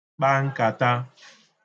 kpa nkàta